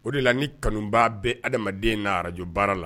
O de la ni kanuba bɛ adamaden'a arajo baara la